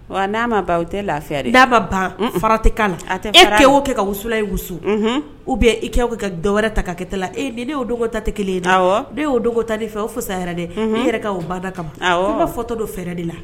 Wa n'a ma ban u tɛ lafia dɛ n'a ma ban un-un fara tɛ k'a la a tɛ far'a la e kɛ o kɛ ka wusulan in wusu unhun ou bien i kɛ o kɛ ka d dɔwɛrɛ ta ka kɛ ta la ee nin ni o doŋo ta te 1 ye dɛ awɔ ne ye o doŋo tani fɛn o fusayara dɛ unhun i yɛrɛ ka o bada kama awɔɔ fiba fɔtɔ don fɛɛrɛ de la